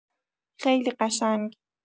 خیلی قشنگ